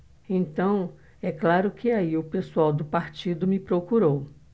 então é claro que aí o pessoal do partido me procurou